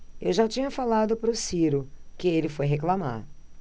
eu já tinha falado pro ciro que ele foi reclamar